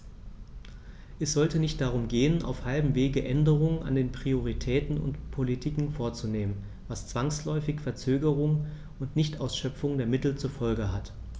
Es sollte nicht darum gehen, auf halbem Wege Änderungen an den Prioritäten und Politiken vorzunehmen, was zwangsläufig Verzögerungen und Nichtausschöpfung der Mittel zur Folge hat.